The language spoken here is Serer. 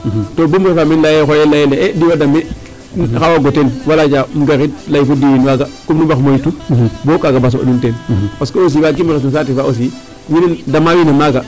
To bo moofa meen xoyel layel ee diw a dame xa waag o teen wala um gariid lay fo diwiin pour de moytu bo kaga baa soɓa nuun teen parce que waagiim o ref no saate faa aussi damaa wiin we naaga.